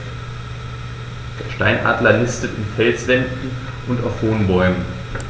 Der Steinadler nistet in Felswänden und auf hohen Bäumen.